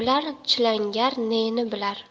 bilar chilangar neni bilar